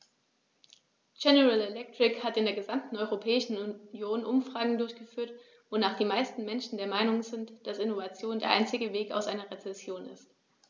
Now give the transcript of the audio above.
General Electric hat in der gesamten Europäischen Union Umfragen durchgeführt, wonach die meisten Menschen der Meinung sind, dass Innovation der einzige Weg aus einer Rezession ist.